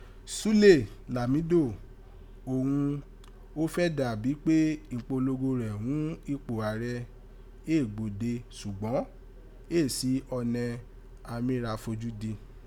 Súlè Lamido òghun ó fẹ́ dà bí pe ipolongo rẹ ghún ipo Aarẹ éè gbode sugbọn éè si ọnẹ a mí ra foju di.